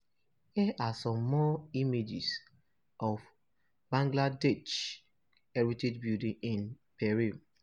Here are some more images of Bangladeshi heritage buildings in peril: